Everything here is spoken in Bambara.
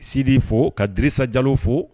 Sidi fo ka disa jalo fo